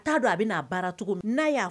A t' don a bɛ baaracogo n'a y'a